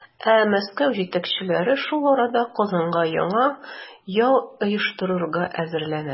Ә Мәскәү җитәкчелеге шул арада Казанга яңа яу оештырырга әзерләнә.